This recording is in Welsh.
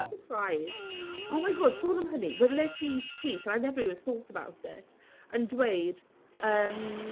Surprise! Oh my God! Sôn am hynny, welais i tweet and I never even thought about it yn dweud yym...